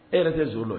E yɛrɛ tɛ n soo